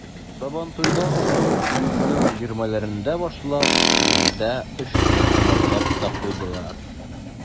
Сабантуйдан соң, июньнең 20-ләрендә башлап, июльдә эшне тәмамлап та куйдылар.